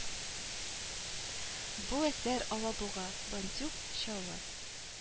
Бу әсәр Алабуга, Бондюг, Чаллы